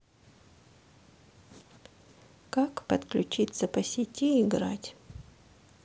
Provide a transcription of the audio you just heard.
как подключиться по сети играть